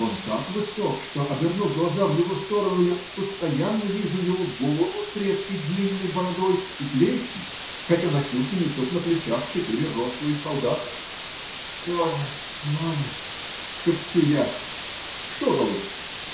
Он так высок, что, обернув глаза в его сторону, я постоянно вижу его голову с редкой длинной бородой и плечи, хотя носилки несут на плечах четыре рослые солдата. -- Петр Иваныч! - шепчу я. -- Что, голубчик?